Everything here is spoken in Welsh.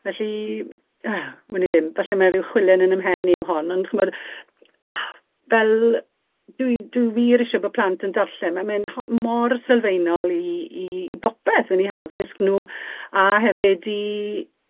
Felly wn i ddim, falle mae ryw chwilen yn ym mhen i yw hon, ond ch'mod fel dwi dwi wir isie bo' plant yn darllen ma'n myn' ho- mor sylfaenol i i i bopeth yn 'u haddysg nw a hefyd i